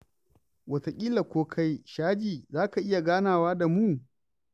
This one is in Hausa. Wataƙila ko kai, Sergey, za ka iya ganawa da mu?